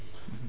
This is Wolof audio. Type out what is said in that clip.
dëgg la